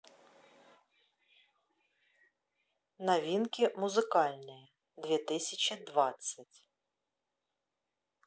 новинки музыкальные две тысячи двадцать